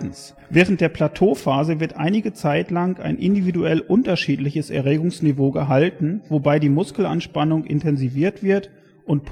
ist. Während der Plateauphase wird einige Zeit lang ein individuell unterschiedliches Erregungsniveau gehalten, wobei die Muskelanspannung intensiviert wird und